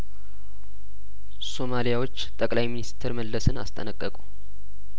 ሶማሊያዎች ጠቅላይ ሚኒስትር መለስን አስጠንቀቁ